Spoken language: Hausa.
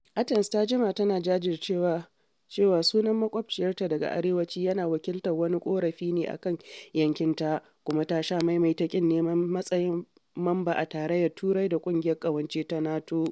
Athens ta jima tana jajircewa cewa sunan makwaɓciyarta daga arewaci yana wakiltar wani ƙorafi ne a kan yankinta kuma ta sha maimaita ƙin neman matsayin mamba a Tarayyar Turai da Ƙungiyar Ƙawance ta NATO.